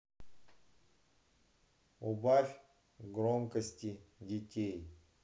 убавь громкости детей